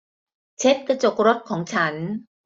เช็ดกระจกรถของฉัน